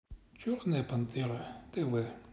черная пантера тв